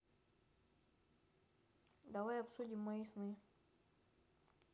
давай обсудим мои сны